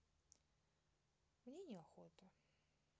мне не охота